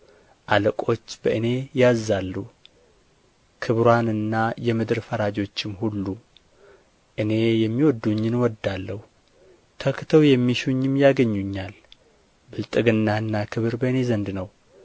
አለቆች በእኔ ያዝዛሉ ክቡራንና የምድር ፈራጆችም ሁሉ እኔ የሚወድዱኝን እወድዳለሁ ተግተው የሚሹኝም ያገኙኛል ብልጥግናና ክብር በእኔ ዘንድ ነው